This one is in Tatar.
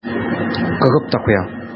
Корып та куя.